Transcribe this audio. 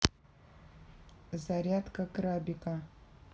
зарядка крабика